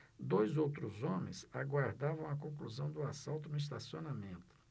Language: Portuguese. dois outros homens aguardavam a conclusão do assalto no estacionamento